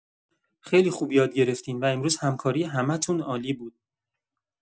خیلی خوب یاد گرفتین و امروز همکاری همه‌تون عالی بود.